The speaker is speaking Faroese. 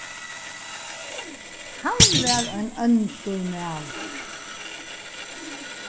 hann var ein óndur maður